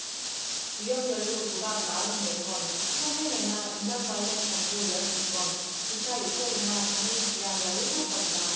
유형별로 도박 마흔 네 건 성매매나 음란 관련 정보 열 두 건 기타 욕설이나 장애인 비하 열 일곱 건이다